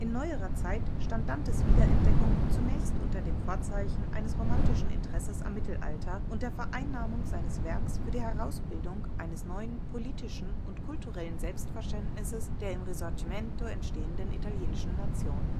neuerer Zeit stand Dantes Wiederentdeckung zunächst unter dem Vorzeichen eines romantischen Interesses am Mittelalter und der Vereinnahmung seines Werks für die Herausbildung eines neuen politischen und kulturellen Selbstverständnisses der im Risorgimento entstehenden italienischen Nation